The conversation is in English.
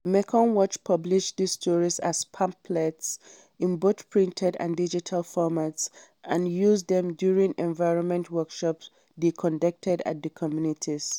Mekong Watch published these stories as pamphlets in both printed and digital formats, and used them during environment workshops they conducted at the communities.